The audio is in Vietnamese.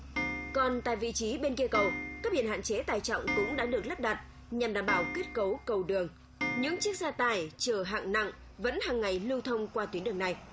còn tại vị trí bên kia cầu cướp biển hạn chế tải trọng cũng đã được lắp đặt nhằm đảm bảo kết cấu cầu đường những chiếc xe tải chở hạng nặng vẫn hằng ngày lưu thông qua tuyến đường này